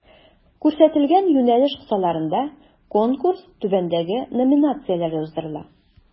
Күрсәтелгән юнәлеш кысаларында Конкурс түбәндәге номинацияләрдә уздырыла: